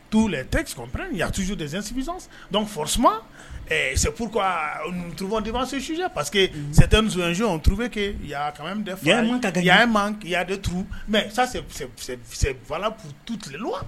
Tous les textes qu'on prenne il y'a toujours des insuffisances donc forcement ɛɛ c'est pourquoi nous nous trouvons devant ce sujet parque certaines ONG ont trouvé que il y'a quand même des failles il y'a un manque à gagner il y'a un manque il y'a des trous mais ça c'est c'est c'est valable pour toutes les lois